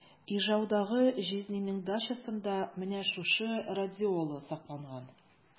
Ижаудагы җизнинең дачасында менә шушы радиола сакланган.